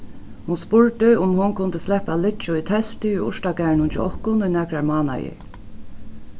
hon spurdi um hon kundi sleppa at liggja í telti í urtagarðinum hjá okkum í nakrar mánaðir